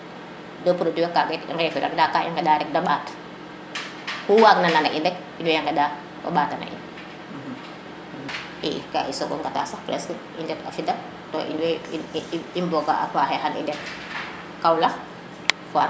bo produit kaga tamit i ŋefiran nda i ŋeɗa rek de ɓat o xu waag na nana in rek in wey ŋeɗate ɓata na in i ka i sago ŋata sax presque i ndet a Fidac to iwe i mboga a paxe xa i ndet Kaolack